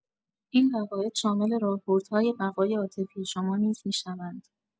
این قواعد شامل راهبردهای بقای عاطفی شما نیز می‌شوند.